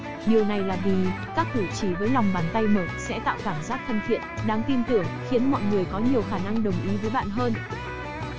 điều này là vì các cử chỉ với lòng bàn tay mở sẽ tạo cảm giác thân thiện đáng tin tưởng khiến mọi người có nhiều khả năng đồng ý với bạn hơn